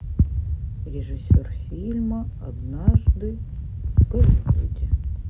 режиссер фильма однажды в голливуде